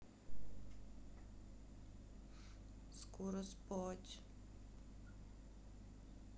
скоро спать